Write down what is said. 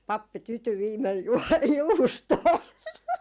pappi tyytyi viimein - juustoon